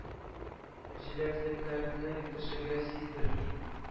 Җиләклекләрне кешегә сиздерми.